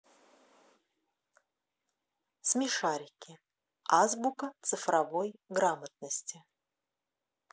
смешарики азбука цифровой грамотности